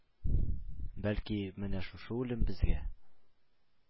Бәлки, менә шушы үлем безгә